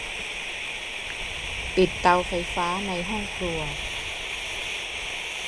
ปิดเตาไฟฟ้าในห้องครัว